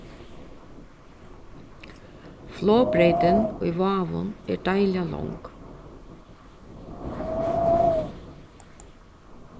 flogbreytin í vágum er deiliga long